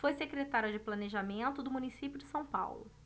foi secretário de planejamento do município de são paulo